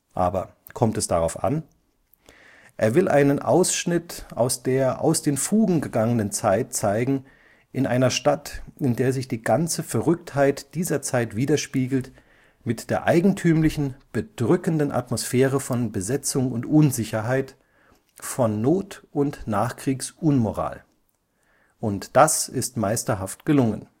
Aber – kommt es darauf an? […] Er will einen Ausschnitt aus der aus den Fugen gegangenen Zeit zeigen, in einer Stadt, in der sich die ganze Verrücktheit dieser Zeit widerspiegelt, mit der eigentümlichen, bedrückenden Atmosphäre von Besetzung und Unsicherheit, von Not und Nachkriegsunmoral. Und das ist meisterhaft gelungen